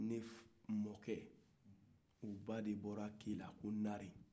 ne mɔke o baa de bɔra kela ko nare